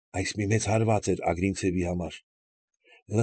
Այս մի մեծ հարված էր Ագրինցևի համար։